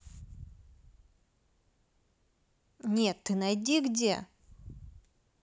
нет ты найди где